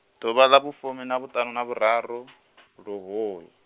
ḓuvha ḽa vhufumi na vhuṱaṋu na vhuraru, luhuhi.